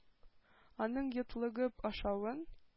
Аның йотлыгып ашавын,